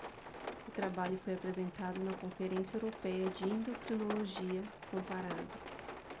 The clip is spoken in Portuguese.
o trabalho foi apresentado na conferência européia de endocrinologia comparada